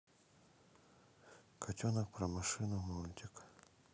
котенок про машины мультик